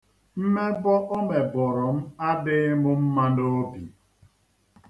Mmebọ ọ mebọrọ m adịghị m mma n'obi.